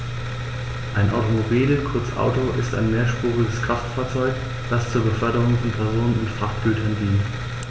Ein Automobil, kurz Auto, ist ein mehrspuriges Kraftfahrzeug, das zur Beförderung von Personen und Frachtgütern dient.